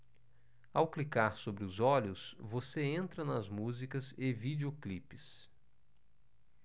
ao clicar sobre os olhos você entra nas músicas e videoclipes